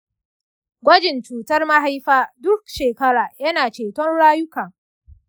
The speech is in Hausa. gwajin cutar mahaifa duk shekara yana ceton rayuka.